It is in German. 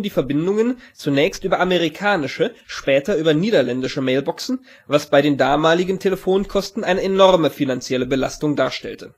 Verbindungen zunächst über amerikanische, später über niederländische Mailboxen, was bei den damaligen Telefonkosten eine enorme finanzielle Belastung darstellte